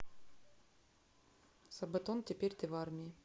сабатон теперь ты в армии